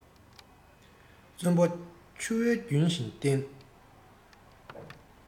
བརྩོན པ ཆུ བོའི རྒྱུན བཞིན བསྟེན